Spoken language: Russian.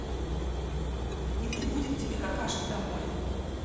если будет тебе какашку домой